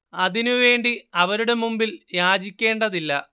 അതിനു വേണ്ടി അവരുടെ മുമ്പിൽ യാചിക്കേണ്ടതില്ല